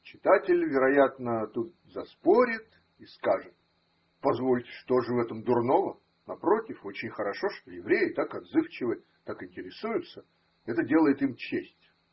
Читатель, вероятно, тут заспорит и скажет: Позвольте, что же в этом дурного – напротив, очень хорошо, что евреи так отзывчивы, так интересуются – это делает им честь.